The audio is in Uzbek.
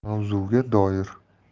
mavzuga doir